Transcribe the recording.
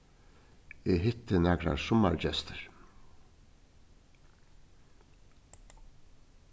eg hitti nakrar summargestir